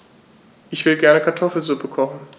Ich will gerne Kartoffelsuppe kochen.